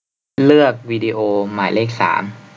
เลือกวิดีโอหมายเลขสาม